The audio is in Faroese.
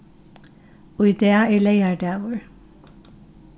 í dag er leygardagur